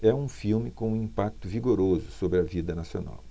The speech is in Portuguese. é um filme com um impacto vigoroso sobre a vida nacional